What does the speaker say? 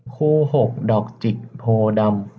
คู่หกดอกจิกโพธิ์ดำ